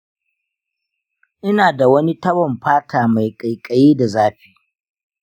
ina da wani tabon fata mai ƙaiƙayi da zafi.